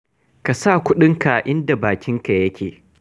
Ka sa kuɗinka a inda bakinka yake.